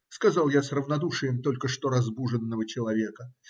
сказал я с равнодушием только что разбуженного человека.